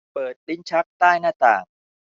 เปิดลิ้นชักใต้หน้าต่าง